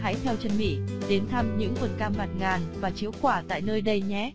hãy theo chân mị đến thăm những vườn cam bạt ngàn và trĩu quả tại nơi đây nhé